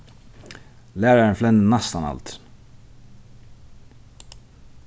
lærarin flennir næstan aldrin